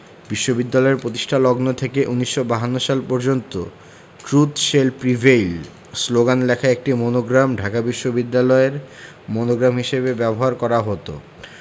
বিশ্ববিদ্যালয় প্রতিষ্ঠালগ্ন থেকে ১৯৫২ সাল পর্যন্ত ট্রুত শেল প্রিভেইল শ্লোগান লেখা একটি মনোগ্রাম ঢাকা বিশ্ববিদ্যালয়ের মনোগ্রাম হিসেবে ব্যবহার করা হতো